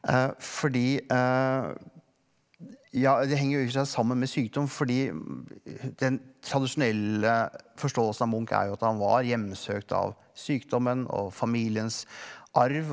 fordi ja det henger jo i og for seg sammen med sykdom fordi den tradisjonelle forståelsen av Munch er jo at han var hjemsøkt av sykdommen og familiens arv.